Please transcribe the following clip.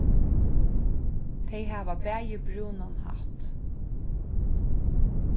tey hava bæði brúnan hatt